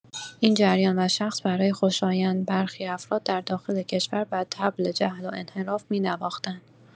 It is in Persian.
این جریان و شخص برای خوشایند برخی افراد در داخل کشور بر طبل جهل و انحراف می‌نواختند.